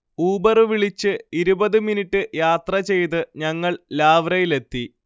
ഊബറുവിളിച്ച് ഇരുപത് മിനിറ്റ് യാത്ര ചെയ്ത് ഞങ്ങൾ ലാവ്റയിലെത്തി